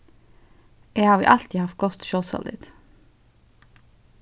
eg havi altíð havt gott sjálvsálit